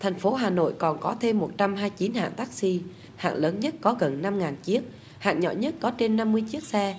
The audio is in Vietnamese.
thành phố hà nội còn có thêm một trăm hai chín hãng tắc xi hãng lớn nhất có gần năm ngàn chiếc hạn nhỏ nhất có trên năm mươi chiếc xe